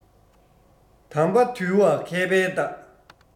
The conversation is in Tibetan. དམ པ དུལ བ མཁས པའི རྟགས